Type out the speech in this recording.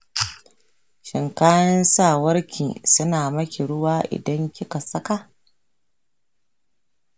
shin kayan sakawanki suna miki ruwa idan kika saka?